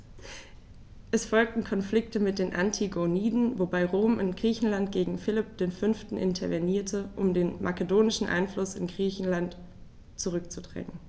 Es folgten Konflikte mit den Antigoniden, wobei Rom in Griechenland gegen Philipp V. intervenierte, um den makedonischen Einfluss in Griechenland zurückzudrängen.